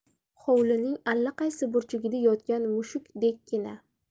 hovlining allaqaysi burchagida yotgan mushukdekkina